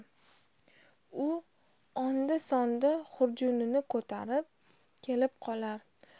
u onda sonda xurjunini ko'tarib kelib qolar